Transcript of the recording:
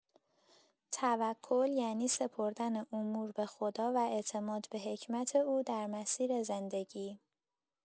توکل یعنی سپردن امور به‌خدا و اعتماد به حکمت او در مسیر زندگی.